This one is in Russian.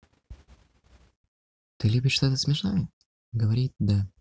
ты любишь что то смешное говорит да